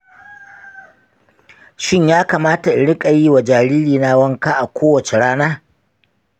shin ya kamata in rika yi wa jaririna wanka a kowace rana?